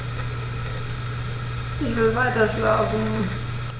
Ich will weiterschlafen.